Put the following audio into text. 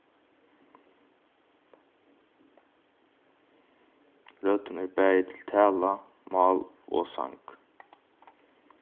røddin er bæði til talað mál og sang